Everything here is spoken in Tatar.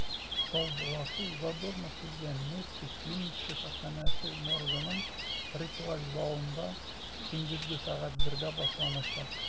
Саубуллашу Задорнов үлгән “МЕДСИ” клиник шифаханәсе моргының ритуаль залында 13:00 (мск) башланачак.